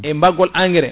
e badgol engrais